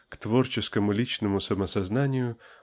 -- к творческому личному самосознанию